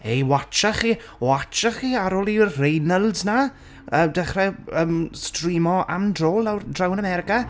ei watsiwch chi. Watsiwch chi ar ôl i'r Reynolds 'na yy, dechre, yym, streamo Am Dro lawr... draw yn America.